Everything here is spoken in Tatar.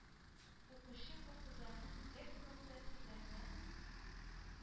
Укучы бу кызларны гер спорты серләренә